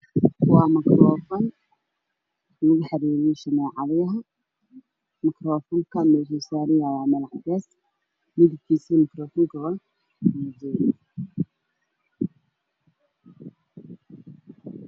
Waa makaroofan lagu xariiriyo samecadyaha makaroofanka wuxu saaranyahay meel cadees midabkiisuna makaroofan ka waa madow